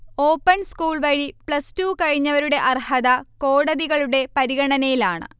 open സ്കൂൾവഴി plus two കഴിഞ്ഞവരുടെ അർഹത കോടതികളുടെ പരിഗണനയിലാണ്